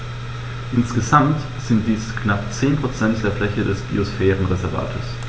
Insgesamt sind dies knapp 10 % der Fläche des Biosphärenreservates.